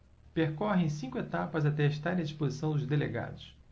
percorrem cinco etapas até estarem à disposição dos delegados